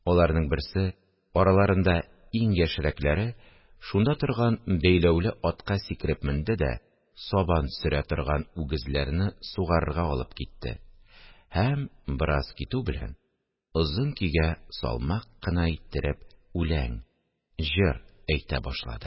Аларның берсе – араларында иң яшьрәкләре – шунда торган бәйләүле атка сикереп менде дә сабан сөрә торган үгезләрне сугарырга алып китте һәм, бераз китү белән, озын көйгә салмак кына иттереп үләң (җыр) әйтә башлады